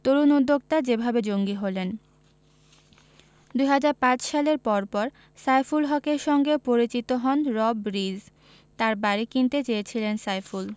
তরুণ উদ্যোক্তা যেভাবে জঙ্গি হলেন ২০০৫ সালের পরপর সাইফুল হকের সঙ্গে পরিচিত হন রব রিজ তাঁর বাড়ি কিনতে চেয়েছিলেন সাইফুল